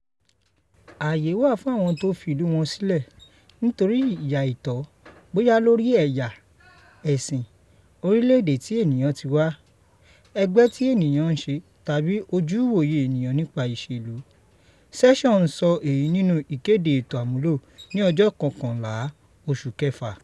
“Àyè wà fún àwọn tó fi ìlú wọn sílẹ̀ nítorí ìyà àìtọ́ bóyá lórí ẹ̀yà, ẹ̀sìn, orílẹ̀èdè tí ènìyàn ti wá, ẹgbẹ́ tí ènìyàn ń ṣe tàbí ojúùwoye ènìyàn nípa ìṣèlú” Sessions sọ èyí nínú ìkéde ètò àmúlò ní ọjọ́ kọọkànlá, oṣù kẹfà.